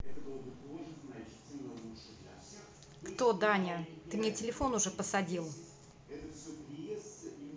кто даня ты мне телефон уже посадил